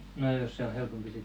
no jos se on helpompi sitten